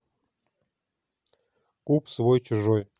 куб свой чужой